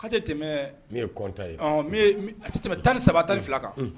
Ka te tɛmɛ min ye kɔnta ye . Ɔnhɔn a tu tɛmɛ 12 -13 kan.